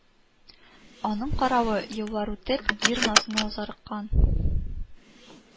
Аның каравы, еллар үтеп, ир назына зарыккан